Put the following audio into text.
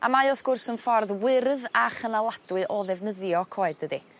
A mae wrth gwrs yn ffordd wyrdd a chynaladwy o ddefnyddio coed dydi?